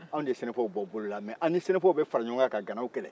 anw de sɛnɛfɔw bɔ bolola mɛ an ni sɛnɛfɔw bɛ faraɲɔgɔn kan ka ganaw kɛlɛ